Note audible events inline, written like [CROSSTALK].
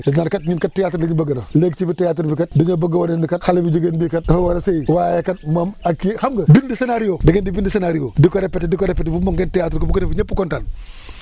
dañu naan kat ñun kat théatre la ñu bëgg a def léegi ci biir théatre bi kat dañoo bëgg a wane ni kat xale bu jigéen bii kat dafa war a sëyi waaye kat moom ak kii xam nga bind scénario da ngeen di bind scéario di ko répété di ko répété ba mu mokk ngeen théatre ko bu ko defee ñëpp kontaan [BREATH]